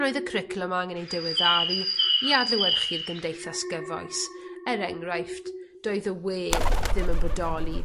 Roedd y cwricwlwm angen ei diweddaru i adlewyrchu'r gymdeithas gyfoes er enghraifft doedd y we ddim yn bodoli